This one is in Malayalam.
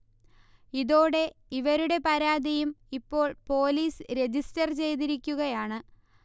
ഇതോടെ ഇവരുടെ പരാതിയും ഇപ്പോൾ പോലീസ് രജിസ്റ്റർ ചെയ്തിരിക്കുകയാണ്